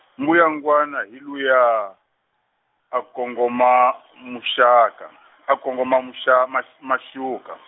mbuyangwana hi luya, a kongoma muxaka, a kongoma muxa- max- maxuka.